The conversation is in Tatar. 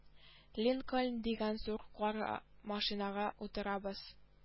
Линкольн дигән зур кара машинага утырабыз